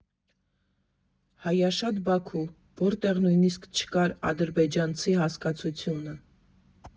Հայաշատ Բաքու, որտեղ նույնիսկ չկար «ադրբեջանցի» հասկացությունը։